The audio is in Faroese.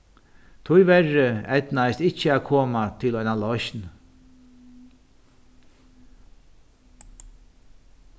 tíverri eydnaðist ikki at koma til eina loysn